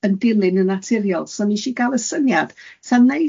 yn dilyn yn naturiol, so nesh i gal y syniad, sa'n